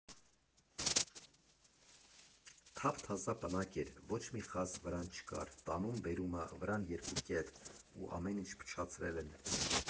Թափ֊թազա պնակ էր, ոչ մի խազ վրան չկար, տանում֊բերում ա՝ վրան երկու կետ, որ ամեն ինչ փչացրել են։